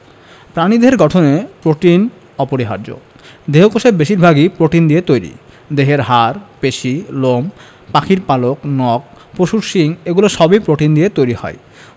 প্রাণীদেহের গঠনে প্রোটিন অপরিহার্য দেহকোষের বেশির ভাগই প্রোটিন দিয়ে তৈরি দেহের হাড় পেশি লোম পাখির পালক নখ পশুর শিং এগুলো সবই প্রোটিন দিয়ে তৈরি হয়